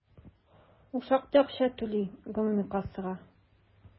Ул шактый акча түли гомуми кассага.